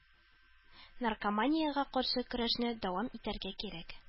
“наркоманиягә каршы көрәшне дәвам итәргә кирәк”